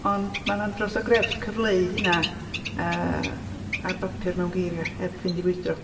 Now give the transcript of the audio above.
Ond mae'n andros o grefft cyfleu hynna yy ar bapur mewn geiriau, heb fynd i fwydro.